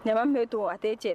Ɲɛman min be ton a te cɛ